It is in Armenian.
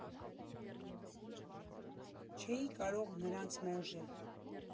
Չէի կարող նրանց մերժել։